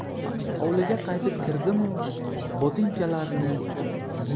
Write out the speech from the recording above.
hovliga qaytib kirdimu botinkalarni